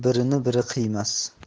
birini biri qiymas